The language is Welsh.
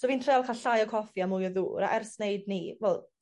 So fi'n treiol ca'l llai o coffi a mwy o ddŵr a ers neud 'ny wel